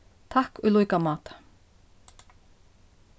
takk í líka máta